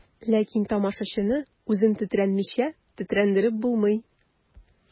Ләкин тамашачыны үзең тетрәнмичә тетрәндереп булмый.